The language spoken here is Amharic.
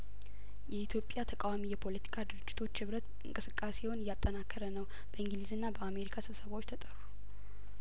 የኢትዮጵያ ተቃዋሚ የፖለቲካ ድርጅቶች ህብረት እንቅስቃሴውን እያጠናከረ ነው በእንግሊዝና በአሜሪካ ስብሰባዎች ተጠሩ